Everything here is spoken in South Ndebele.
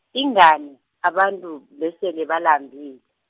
ingani, abantu besele balambile.